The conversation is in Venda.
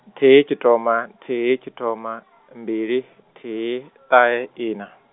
nthihi tshithoma, nthihi tshithoma, mbili, nthihi, ṱahe ina.